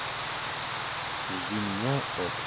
жди меня от